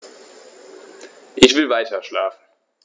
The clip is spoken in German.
Ich will weiterschlafen.